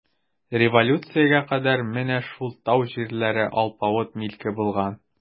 Революциягә кадәр менә шул тау җирләре алпавыт милке булган.